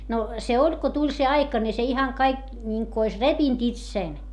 no se oli kun tuli se aika niin se ihan kaikki niin kuin olisi repinyt itse